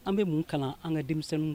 An bɛ mun kalan an ka denmisɛnnin